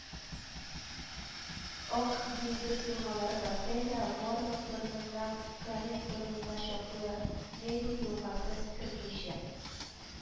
Ак диңгез елгалары бассейны Воронов борынынан Канин борынына чаклы Мезень елгасын кертмичә